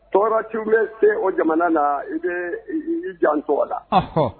Tɔɔrɔtigiw bɛ se o jamana na i bɛ i jan tɔgɔ la